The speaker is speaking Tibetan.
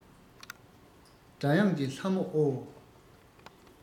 སྒྲ དབྱངས ཀྱི ལྷ མོ ཨོ